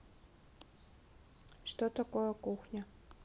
что такое кухня